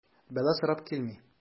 Бәла сорап килми.